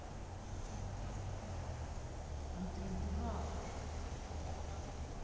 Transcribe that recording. андрей дурак